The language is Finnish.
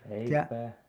leipää